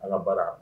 Ala bala